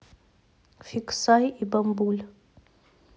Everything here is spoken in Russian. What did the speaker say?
фиксай и бамбуль